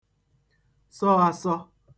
sọ āsọ̄